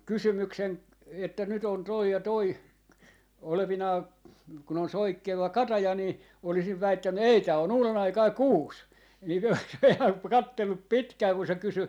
kysymyksen että nyt on tuo ja tuo olevinaan kun on soikkeva kataja niin olisin väittänyt ei tämä on uudenaikainen kuusi niin olisi pojat katsellut pitkään kun se kysyi